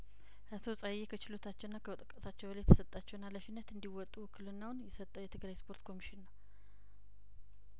አቶ ጸሀዬ ከችሎታቸውና ከእውቀታቸው በላይ የተሰጣቸውን ሀላፊነት እንዲወጡ ውክልናውን የሰጠው የትግራይ ስፖርት ኮሚሽን ነው